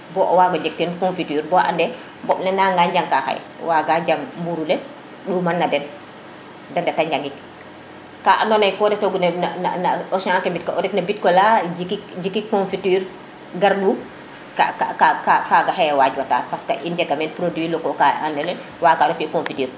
bo o wago jeg teen confiture bo ande ɓoɓ ne nanga njang ka xaye waga jang mbur le ɗumana den de ndeta njangik ka ando naye ko reto gu na na Auchan ke mbito ret no bitkola jikik confiture gar ɗum ka ka ka xay waj wata parce i njega meen produit locaux ando naye waga no fi confiture